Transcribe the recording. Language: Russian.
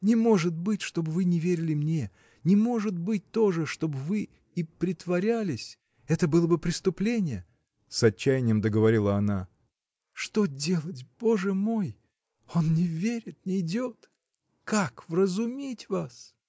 — Не может быть, чтоб вы не верили мне: не может быть тоже, чтоб вы и притворялись, — это было бы преступление! — с отчаянием договорила она. — Что делать, Боже мой! Он не верит, нейдет! Как вразумить вас?